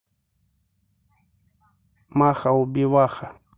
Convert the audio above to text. маха убиваха